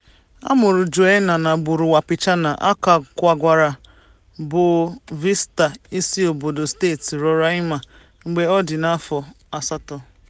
A mụrụ Joenia n'agbụrụ Wapichana, ọ kwagara Boa Vista, isiobodo steeti Roraima, mgbe ọ dị afọ asatọ.